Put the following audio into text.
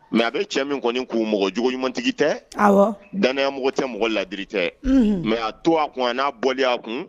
Mɛ a bɛ cɛ min kɔni k'u mɔgɔ juguɲumantigi tɛ danya mɔgɔ tɛ mɔgɔ ladiri tɛ mɛ y' to a kun a n'a bɔ a kun